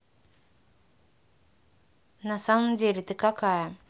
на самом деле ты какая